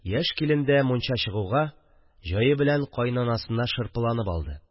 Яшь килен дә, мунча чыгуга, җае белән кайнанасына шырпыланып алды